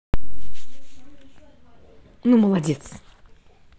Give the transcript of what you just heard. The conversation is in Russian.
ну молодец